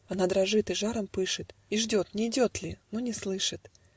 Она дрожит и жаром пышет, И ждет: нейдет ли? Но не слышит.